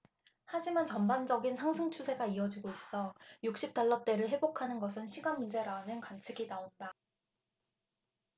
하지만 전반적인 상승 추세가 이어지고 있어 육십 달러대를 회복하는 것은 시간문제라는 관측이 나온다